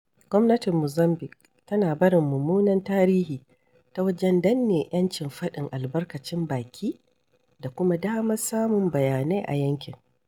Gwamnatin Mozambiƙue tana barin mummunan tarihi ta wajen danne 'yancin faɗin albarkacin baki da kuma damar samun bayanai a yankin.